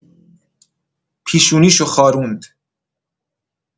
پیشونیش رو خاروند